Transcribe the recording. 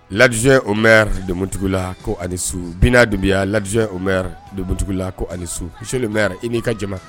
L'Adjoint au Maire de Mountougoula ko a ni su Bina Doumbia l'adjoint au de Mountougoula ko a ni su. Monsieur le Maire i ni ka jama.